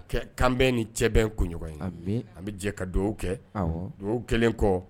Kanbɛn ni cɛbɛn kunɲɔgɔn, amin, an bɛ jɛ ka dugawu kɛ, dugawu kɛlen kɔ